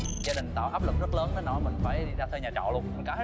gia đình tạo áp lực rất lớn đến nỗi mình phải ra thuê nhà trọ luôn mình cảm